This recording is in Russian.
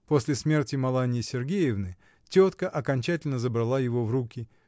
После смерти Маланьи Сергеевны тетка окончательно забрала его в руки.